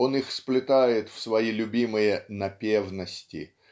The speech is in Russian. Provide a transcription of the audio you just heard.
он их сплетает в свои любимые "напевности"